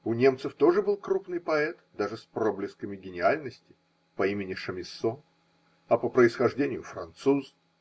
У немцев тоже был крупный поэт, даже с проблесками гениальности, но имени Шамиссо. а по происхождению француз